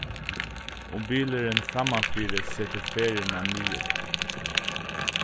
um bilurin frammanfyri setur ferðina niður